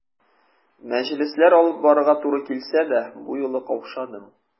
Мәҗлесләр алып барырга туры килсә дә, бу юлы каушадым.